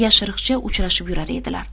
yashiriqcha uchrashib yurar edilar